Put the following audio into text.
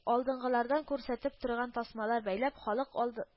Алдынгылардан күрсәтеп торган тасмалар бәйләп, халык алды